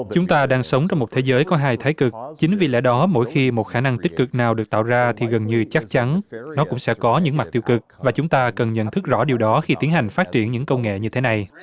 chúng ta đang sống trong một thế giới có hai thái cực chính vì lẽ đó mỗi khi một khả năng tích cực nào được tạo ra thì gần như chắc chắn nó cũng sẽ có những mặt tiêu cực và chúng ta cần nhận thức rõ điều đó khi tiến hành phát triển những công nghệ như thế này